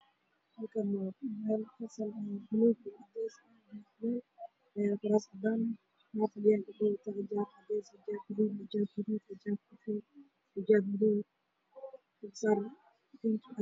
Waxaa fadhiyo gabdho badan